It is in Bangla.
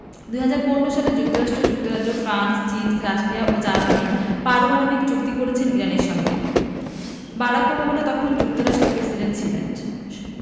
২০১৫ সালে যুক্তরাষ্ট্র যুক্তরাজ্য ফ্রান্স চীন রাশিয়া ও জার্মানি পারমাণবিক চুক্তি করেছিল ইরানের সঙ্গে বারাক ওবামা তখন যুক্তরাষ্ট্রের প্রেসিডেন্ট ছিলেন